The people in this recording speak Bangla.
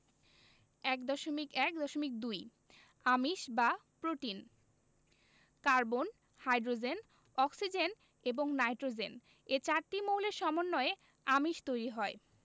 ১.১.২ আমিষ বা প্রোটিন কার্বন হাইড্রোজেন অক্সিজেন এবং নাইট্রোজেন এ চারটি মৌলের সমন্বয়ে আমিষ তৈরি হয়